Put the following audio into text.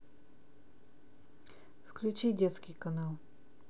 включить детский мульт канал